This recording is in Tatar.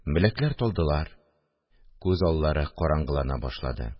Беләкләр талдылар, күз аллары караңгылана башлады